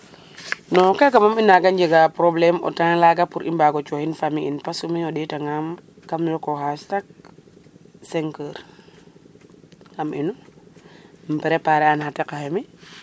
no kaga mom i nanga njega probleme o temps laga pour i mbago coxin famille in parce mi o ndeta ngam kam yoqoxa 5h xam inu im preparer an xa tiqa xemi